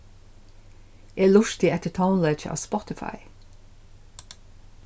eg lurti eftir tónleiki á spotify